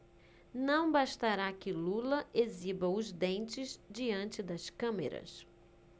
não bastará que lula exiba os dentes diante das câmeras